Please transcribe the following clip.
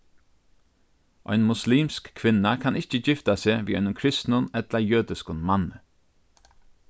ein muslimsk kvinna kann ikki gifta seg við einum kristnum ella jødiskum manni